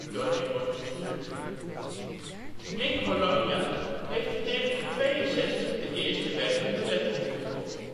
doorheen wordt gestuurd. Nick Holonyak heeft in 1962 de eerste werkende led ontwikkeld